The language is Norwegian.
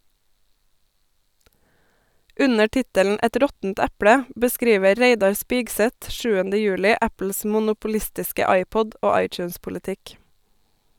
Under tittelen "Et råttent eple" beskriver Reidar Spigseth 7. juli Apples monopolistiske iPod- og iTunes-politikk.